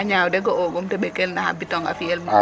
A ñaaw de ga'oogum ta ɓekel no bidong a fi'el